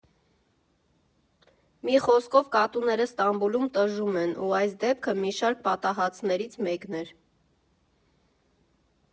Մի խոսքով՝ կատուները Ստամբուլում տժժում են, ու այս դեպքը մի շարք պատահածներից մեկն էր։